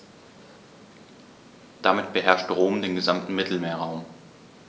Damit beherrschte Rom den gesamten Mittelmeerraum.